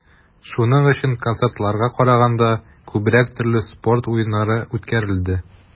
Шуның өчен, концертларга караганда, күбрәк төрле спорт уеннары үткәрелде.